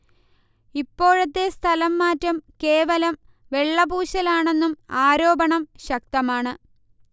ഇപ്പോഴത്തെ സ്ഥലം മാറ്റം കേവലം വെള്ളപൂശലാണെന്നും ആരോപണം ശക്തമാണ്